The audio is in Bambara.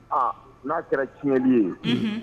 Aa n'a kɛra tiɲɛɲɛnli ye